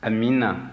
amiina